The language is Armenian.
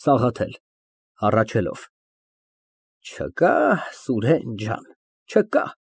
ՍԱՂԱԹԵԼ ֊ (Հառաչելով) Չկա, Սուրեն ջան, չկա։